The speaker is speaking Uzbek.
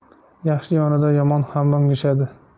yaxshi yonida yomon ham o'ngishadi